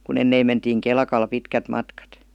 kun ennen mentiin kelkalla pitkät matkat